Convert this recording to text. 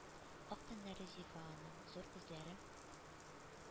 Ак тәннәре зифа аның; зур күзләре